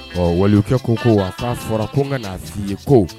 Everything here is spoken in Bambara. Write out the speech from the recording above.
Ɔ wali kɛ ko ko a k'a fɔra ko ka natigi ye ko